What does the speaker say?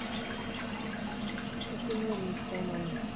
ты кумир мечта моя